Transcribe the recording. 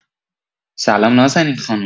سلام نازنین خانم